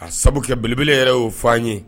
A sababuelebele yɛrɛ y'o f fɔ an ye